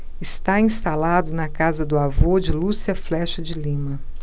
está instalado na casa do avô de lúcia flexa de lima